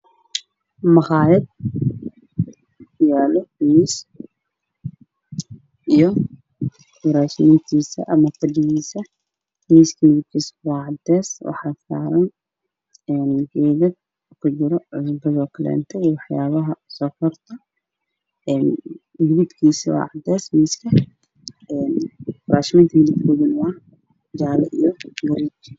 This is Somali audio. Meshan waa qol waxaa yaalo miis midab kiisu yahay madow iyo labo kursi oo kuwa raaxada ah